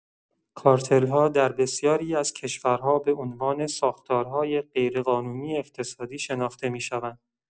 کارتل‌ها در بسیاری از کشورها به‌عنوان ساختارهای غیرقانونی اقتصادی شناخته می‌شوند.